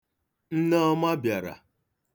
Nneọma bịara.